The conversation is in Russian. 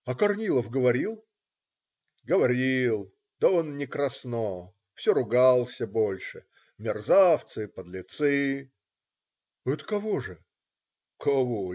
- "А Корнилов говорил?" - "Говорил, да он не красно, все ругался больше: мерзавцы, подлецы". - "Это кого же?" - "Кого?